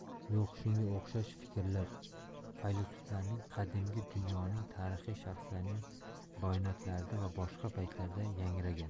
yo'q shunga o'xshash fikrlar faylasuflarning qadimgi dunyoning tarixiy shaxslarining bayonotlarida va boshqa paytlarda yangragan